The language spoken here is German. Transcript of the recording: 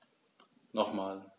Nochmal.